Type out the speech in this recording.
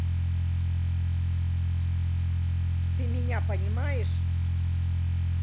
ты меня понимаешь